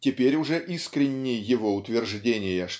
Теперь уже искренни его утверждения